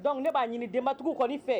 Dɔnku ne b'a ɲini denbatigiw kɔni fɛ